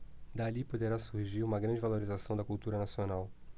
dali poderá surgir uma grande valorização da cultura nacional